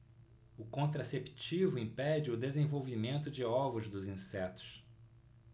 o contraceptivo impede o desenvolvimento de ovos dos insetos